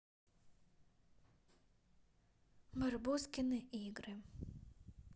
барбоскины игры